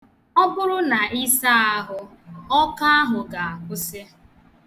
Ọ bụrụ na ị saa ahụ, ọkọ ahụ ga-akwụsị.